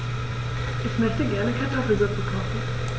Ich möchte gerne Kartoffelsuppe kochen.